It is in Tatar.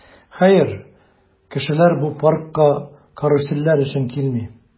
Хәер, кешеләр бу паркка карусельләр өчен килми.